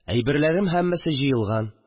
Әйберләрем һәммәсе җыелган